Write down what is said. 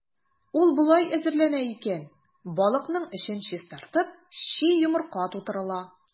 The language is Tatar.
Ул болай әзерләнә икән: балыкның эчен чистартып, чи йомырка тутырыла.